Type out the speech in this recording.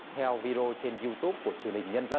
theo vi rô trên iu tút của truyền hình nhân dân